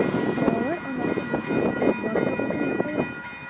Балалар анасы булсаң, бар да үзеңә кала...